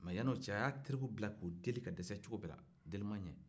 mɛ yanni o cɛ a y'a terikɛw bila k'o deli ka dɛsɛ cogo bɛɛ la deli m'a ɲɛ